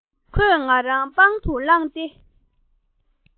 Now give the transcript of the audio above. ཁོས ང རང པང དུ བླངས ཏེ